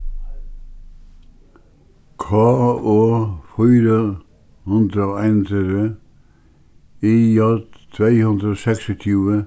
k o fýra hundrað og einogtretivu i j tvey hundrað og seksogtjúgu